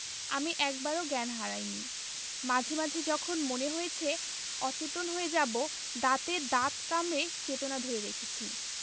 আমি একবারও জ্ঞান হারাইনি মাঝে মাঝে যখন মনে হয়েছে অচেতন হয়ে যাবো দাঁতে দাঁত কামড়ে চেতনা ধরে রেখেছি